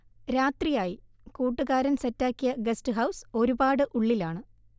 രാത്രിയായി, കൂട്ടുകാരൻ സെറ്റാക്കിയ ഗസ്റ്റ്ഹൗസ് ഒരു പാട് ഉള്ളിലാണ്